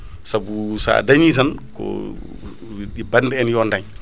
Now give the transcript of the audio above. saabu sa dañi tan ko bande en yo dañ